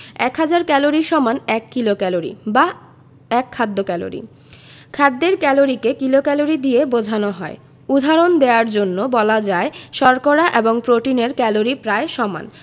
এক হাজার ক্যালরি সমান এক কিলোক্যালরি বা এক খাদ্য ক্যালরি খাদ্যের ক্যালরিকে কিলোক্যালরি দিয়ে বোঝানো হয় উদাহরণ দেয়ার জন্যে বলা যায় শর্করা এবং প্রোটিনের ক্যালরি প্রায় সমান